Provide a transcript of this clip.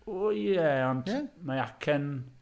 O ie ond mae acen...